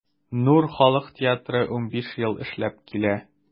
“нур” халык театры 15 ел эшләп килә.